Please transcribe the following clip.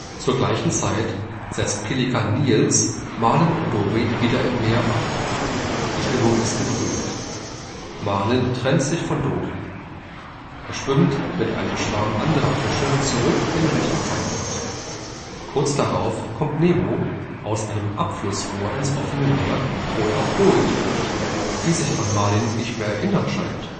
Zur gleichen Zeit setzt Pelikan Niels Marlin und Dorie wieder im Meer ab. Die Stimmung ist getrübt. Marlin trennt sich von Dorie. Er schwimmt mit einem Schwarm anderer Fische zurück in Richtung Heimat. Kurz darauf kommt Nemo aus einem Abflussrohr ins offene Meer, wo er auf Dorie trifft, die sich an Marlin nicht mehr zu erinnern scheint